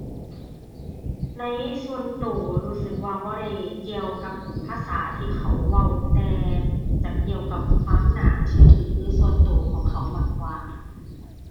ในส่วนตัวรู้สึกว่าบ่ได้เกี่ยวกับภาษาที่เขาเว้า แต่จะเกี่ยวกับความน่าเชื่อถือส่วนตัวของเขามากกว่า